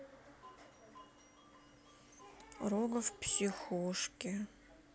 рогов в психушке